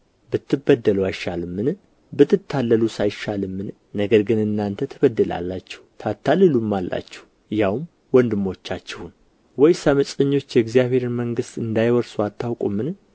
ብትበደሉ አይሻልምን ብትታለሉስ አይሻልምን ነገር ግን እናንተ ትበድላላችሁ ታታልሉማላችሁ ያውም ወንድሞቻችሁን ወይስ ዓመፀኞች የእግዚአብሔርን መንግሥት እንዳይወርሱ አታውቁምን